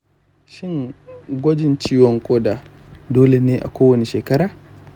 shin gwajin ciwon ƙoda dole ne a kowani shekara?